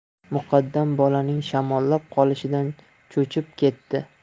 muqaddam bolaning shamollab qolishidan cho'chib ketdi